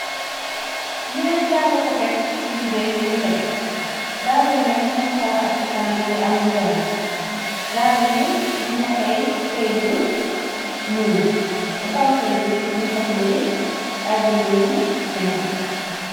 Nyaari dall koket yu jigéet ñyu ngi tege. Daal yi nag seen kaw ak ci kanam mangi amal weex dalli ñum fa tey kayt bu ñuur ci kaw kayt bi ñum fa bindi ay bind yu nete.